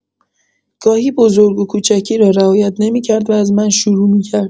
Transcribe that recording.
گاهی بزرگ و کوچکی را رعایت نمی‌کرد و از من شروع می‌کرد.